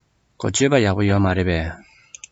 ཁོའི སྤྱོད པ ཡག པོ ཡོད མ རེད པས